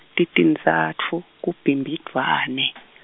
titintsatfu, kuBhimbidvwane .